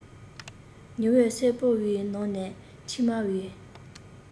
ཉི འོད སེར པོའི ནང ན མཆིལ མའི